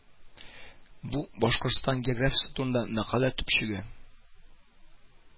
Бу Башкортстан географиясе турында мәкалә төпчеге